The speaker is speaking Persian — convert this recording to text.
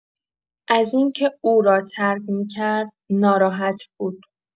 از این‌که او را ترک می‌کرد، ناراحت بود.